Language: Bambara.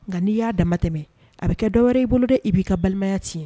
Nga ni ya damatɛ , a bi kɛ dɔwɛrɛ ye i bolo dɛ. I bi ka balimaya tiɲɛ